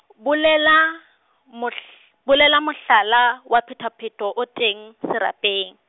bolela mohl-, bolela mohlala wa phethaphetho, o teng, serapeng.